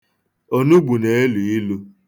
Onugbu na-elu ilu.